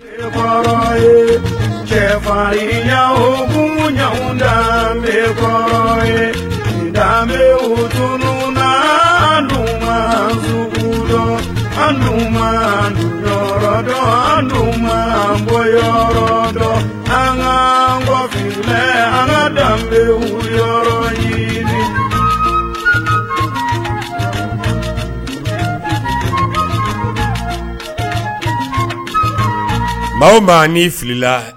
Kɔrɔ ye cɛfafa kun ɲtankɔrɔ ye jamu n ndɔngodɔn nkago kun a danbekunyɔrɔ yo ma ma ni fili